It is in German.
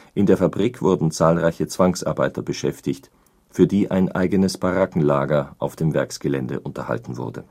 In der Fabrik wurden zahlreiche Zwangsarbeiter beschäftigt, für die ein eigenes Barackenlager auf dem Werksgelände unterhalten wurde